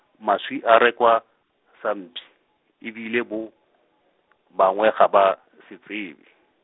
maswi a rekwa, sampshi, e bile bo, bangwe ga ba se tsebe.